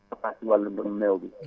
comme ça si wàllum mbirum meew bi